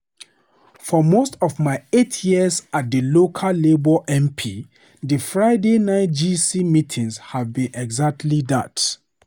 For most of my eight years as the local Labour MP, the Friday night GC meetings have been exactly that.